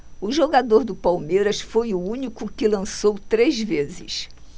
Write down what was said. o jogador do palmeiras foi o único que lançou três vezes